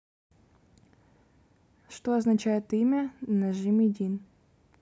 что означает имя нажимидин